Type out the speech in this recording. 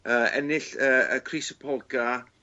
yy ennill yy y crys y polca.